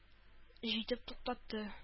Җитеп туктатты